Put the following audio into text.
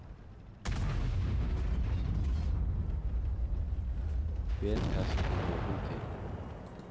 vel tað sum tú hevur hug til